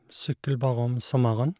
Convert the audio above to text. Sykkel bare om sommeren.